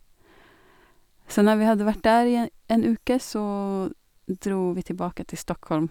Senn når vi hadde vært der i e en uke, så dro vi tilbake til Stockholm.